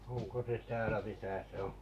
onko se täällä missä se on